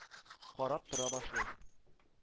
Карап тора башлый...